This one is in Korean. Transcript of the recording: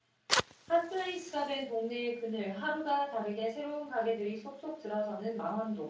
핫 플레이스가 된 동네의 그늘 하루가 다르게 새로운 가게들이 속속 들어서는 망원동